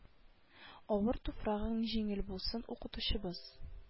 Авыр туфрагың җиңел булсын укытучыбыз